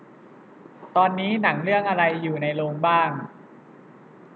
ตอนนี้หนังเรื่องอะไรอยู่ในโรงบ้าง